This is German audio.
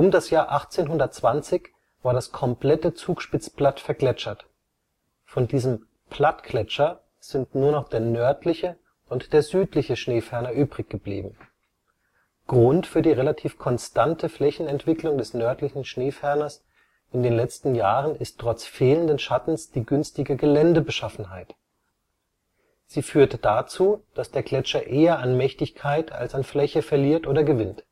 das Jahr 1820 war das komplette Zugspitzplatt vergletschert, von diesem Plattgletscher sind nur noch der Nördliche und der Südliche Schneeferner übrig geblieben. Grund für die relativ konstante Flächenentwicklung des nördlichen Schneeferners in den letzten Jahren ist trotz fehlenden Schattens die günstige Geländebeschaffenheit. Sie führt dazu, dass der Gletscher eher an Mächtigkeit als an Fläche verliert oder gewinnt